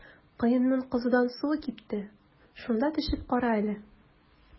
Коеның кызудан суы кипте, шунда төшеп кара әле.